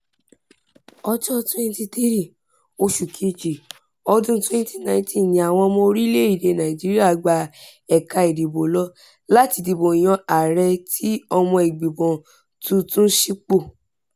Ọjọ́ 23, oṣù kejì ọdún-un 2019 ni àwọn ọmọ orílẹ̀-èdèe Nàìjíríà gba ẹ̀ka ìdìbò lọ láti dìbò yan ààrẹ àti ọmọ ìgbìmọ̀ tuntun sípò.